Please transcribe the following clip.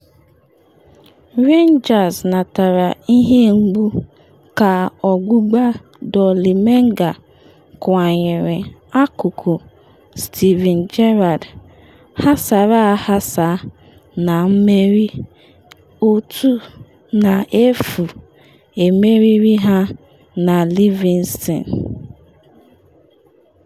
Rangers natara ihe mgbu ka ọgbụgba Dolly Menga kwanyere akụkụ Steven Gerrard ghasara aghasa na mmeri 1-0 emeriri ha na Livingston.